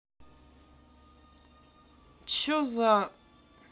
че за